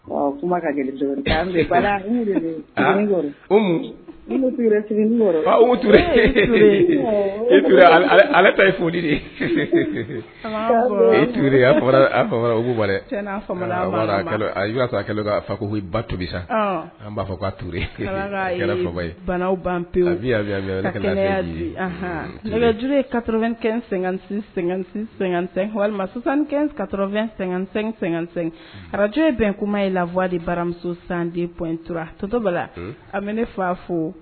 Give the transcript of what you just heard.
Ɔur eur ale foyi deura fa ko ba tubi sa an'a fɔtour ban pej kaɛn sɛgɛn sɛgɛnsɛ walima sisansanka2---sɛsɛ arajoye bɛn kuma ye la baramuso sandenptura totoba la a bɛ ne fa a fo